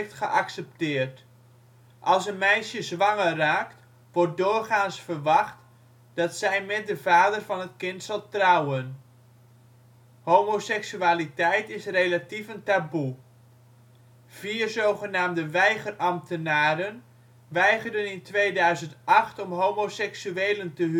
geaccepteerd. Als een meisje zwanger raakt wordt doorgaans verwacht dat zij met de vader van het kind zal trouwen. Homoseksualiteit is relatief een taboe. Vier zogenaamde ' weigerambtenaren ' weigerden in 2008 om homoseksuelen te